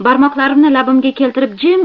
barmog'imni labimga keltirib jim